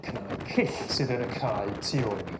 cnau cyll sydd yn y cae tu ôl i mi.